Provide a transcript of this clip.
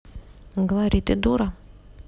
говори ты дура